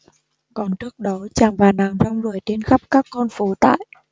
còn trước đó chàng và nàng rong ruổi trên khắp các con phố tại